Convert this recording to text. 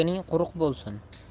o'tining quruq bo'lsin